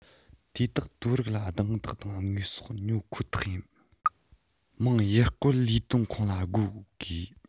དེ དག དོར རིགས ལ རྡུང རྡེག དང དངོས ཟོག ཉོ ཁོ ཐག ཡིན མང ཡུལ སྐོར ལས དོན ཁང ལ གོ དགོས